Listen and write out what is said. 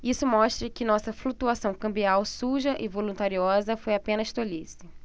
isso mostra que nossa flutuação cambial suja e voluntariosa foi apenas tolice